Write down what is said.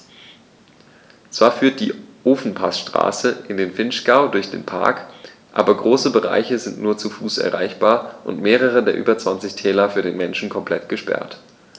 Zwar führt die Ofenpassstraße in den Vinschgau durch den Park, aber große Bereiche sind nur zu Fuß erreichbar und mehrere der über 20 Täler für den Menschen komplett gesperrt.